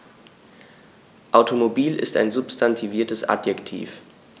Automobil ist ein substantiviertes Adjektiv.